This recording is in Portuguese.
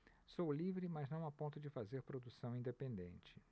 sou livre mas não a ponto de fazer produção independente